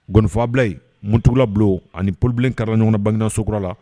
Gɔnifabila yen munugulabu ani polibilenkara ɲɔgɔn bannasokura la